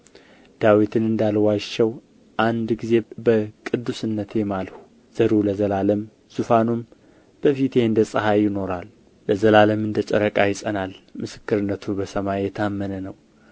ዳዊትን እንዳልዋሸው አንድ ጊዜ በቅዱስነቴ ማልሁ ዘሩ ለዘላለም ዙፋኑም በፊቴ እንደ ፀሐይ ይኖራል ለዘላለም እንደ ጨረቃ ይጸናል ምስክርነቱ በሰማይ የታመን ነው